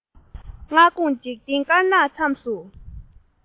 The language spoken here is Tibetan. སྔ དགོང འཇིག རྟེན དཀར ནག མཚམས སུ